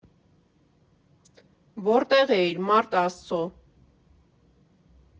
Որտե՞ղ էիր, մարդ աստծո։